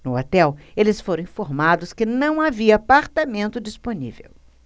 no hotel eles foram informados que não havia apartamento disponível